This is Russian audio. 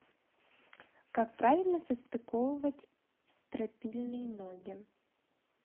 как правильно состыковать стропильные ноги